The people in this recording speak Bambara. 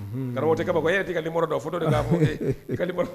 Karamɔgɔ tɛ kaba i yeli dɔn fo dɔ da la